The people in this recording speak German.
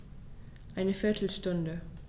Eine viertel Stunde